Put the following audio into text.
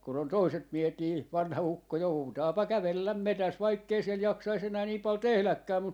kun on toiset miehet niin vanha ukko joutaapa kävellä metsässä vaikka ei siellä jaksaisi enää niin paljon tehdäkään -